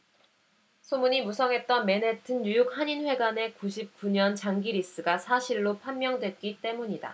소문이 무성했던 맨해튼 뉴욕한인회관의 구십 구 년 장기리스가 사실로 판명됐기때문이다